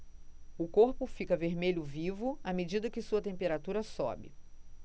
o corpo fica vermelho vivo à medida que sua temperatura sobe